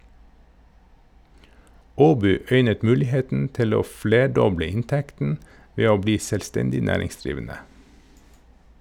Aaby øynet muligheten til å flerdoble inntekten ved å bli selvstendig næringsdrivende.